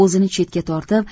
o'zini chetga tortib